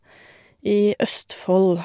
I Østfold.